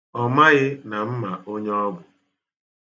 Ọ maghị na m ma onye ọ bụ.